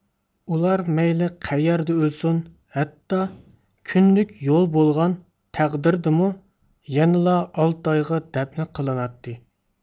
ئۇلار مەيلى قەيەردە ئۆلسۇن ھەتتا كۈنلۈك يول بولغان تەقدىردىمۇ يەنىلا ئالتايغا دەپنە قىلىناتتى